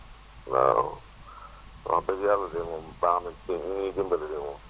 waaw wax dëgg yàlla de moom baax na te ñu ngi ñuy dimbali de moom